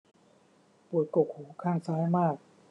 ปวดกกหูข้างซ้ายมาก